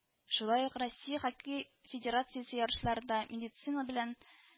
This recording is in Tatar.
Шулай ук Россия Хоккей федерациясе ярышларында медицина хезмәте белән